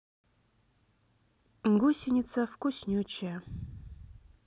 гусеница вкуснючая